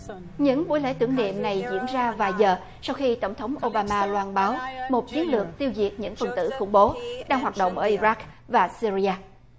những buổi lễ tưởng niệm này diễn ra vài giờ sau khi tổng thống ô ba ma loan báo một chiến lược tiêu diệt những phần tử khủng bố đang hoạt động i rắc và sia ri a